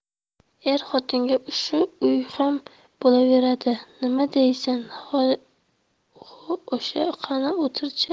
er xotinga shu uy ham bo'laveradi nima deysan xo' o'sh qani o'tir chi